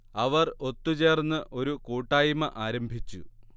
അവർ ഒത്തു ചേർന്ന് ഒരു കൂട്ടായ്മ ആരംഭിച്ചു